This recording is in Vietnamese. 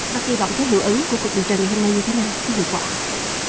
bà kỳ vọng cái hiệu ứng của cuộc điều trần ngày hôm nay như thế nào cái hiệu quả